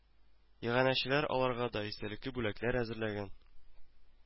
Иганәчеләр аларга да истәлекле бүләкләр әзерләгән